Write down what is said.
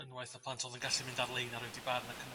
yn waeth na plant o'dd yn gallu mynd ar-lein ar roid i barn ac yn y